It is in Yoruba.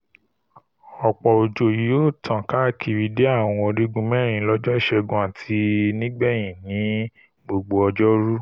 Ọ̀pọ̀ òjò yóò tàn káàkiri dé Àwọn Orígun Mẹ́rin lọ́jọ́ Ìṣẹ́gun àti nígbẹ̀yìn ni gbogbo ọjọ 'Ru.